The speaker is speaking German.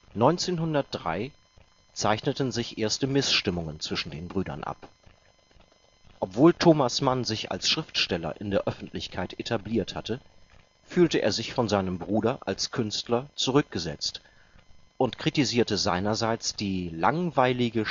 1903 zeichneten sich erste Missstimmungen zwischen den Brüdern ab. Obwohl Thomas Mann sich als Schriftsteller in der Öffentlichkeit etabliert hatte, fühlte er sich von seinem Bruder als Künstler zurückgesetzt und kritisierte seinerseits die „ langweilige